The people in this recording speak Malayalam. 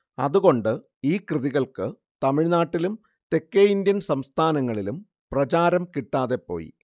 അതുകൊണ്ട് ഈ കൃതികൾക്ക് തമിഴ്നാട്ടിലും തെക്കേ ഇന്ത്യൻ സംസ്ഥാനങ്ങളിലും പ്രചാരം കിട്ടാതെപോയി